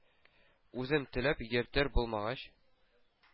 Үзем теләп йөртер булмагач,